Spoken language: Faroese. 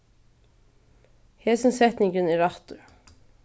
hesin setningurin er rættur